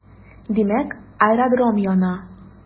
Димәк, аэродром яна.